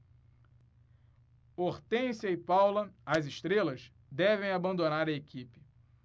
hortência e paula as estrelas devem abandonar a equipe